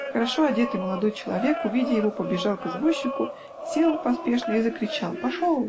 Хорошо одетый молодой человек, увидя его, подбежал к извозчику, сел поспешно и закричал: "Пошел!.